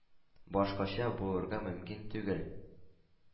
Башкача булырга мөмкин түгел.